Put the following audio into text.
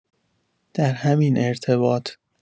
در همین ارتباط